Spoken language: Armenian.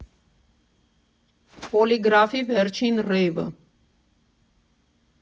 Պոլիգրաֆի վերջին ռեյվը.